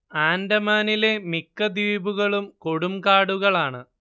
ആൻഡമാനിലെ മിക്ക ദ്വീപുകളും കൊടുംകാടുകളാണ്